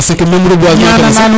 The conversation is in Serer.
parce que meme reboisement fe sax